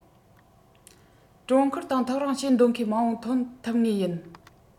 གྲོང ཁུལ དང ཐག རིང བྱེད འདོད མཁན མང པོ ཐོན ཐུབ ངེས ཡིན